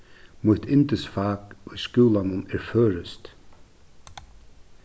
mítt yndisfak í skúlanum er føroyskt